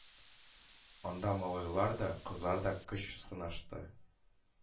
Анда малайлар да, кызлар да көч сынашты.